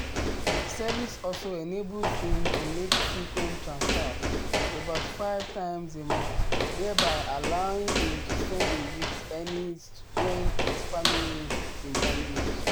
The service also enables him to make frequent transfers – about 5 times a month – thereby allowing him to send a week’s earnings when his family needs the money most.